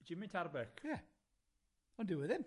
Jimmy Tarbuck. Ie, ond dyw e ddim.